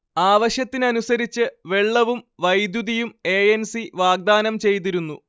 ആവശ്യത്തിനനുസരിച്ച് വെള്ളവും വൈദ്യുതിയും എ എൻ സി വാഗ്ദാനം ചെയ്തിരുന്നു